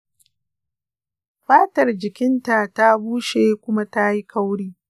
fatar jikinta ta bushe kuma ta yi kauri.